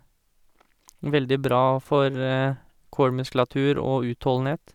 Veldig bra for core-muskulatur og utholdenhet.